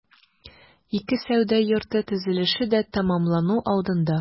Ике сәүдә йорты төзелеше дә тәмамлану алдында.